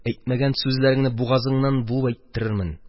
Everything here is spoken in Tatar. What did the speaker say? Әйтмәгән сүзләреңне бугазыңны буып әйттерермен.